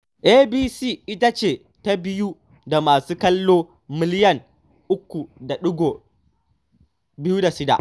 ABC ita ce ta biyu da masu kallo miliyan 3.26.